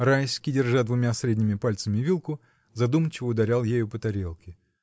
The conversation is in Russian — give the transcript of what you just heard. Райский, держа двумя средними пальцами вилку, задумчиво ударял ею по тарелке.